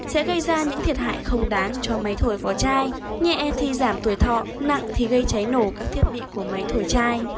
sẽ gây ra những thiệt hại không đáng cho máy thổi vỏ chai nhẹ thì giảm tuổi thọ nặng thì gây cháy nổ các thiết bị của máy thổi chai